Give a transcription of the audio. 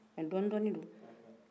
nka dɔni dɔni don